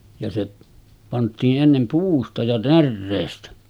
ja se pantiin ennen puusta ja näreestä